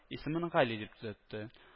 Исемен гали дип төзәтте